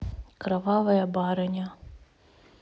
кровавая барыня